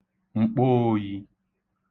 mkpoōyī